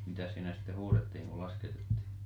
mitä siinä sitten huudeltiin kun lasketettiin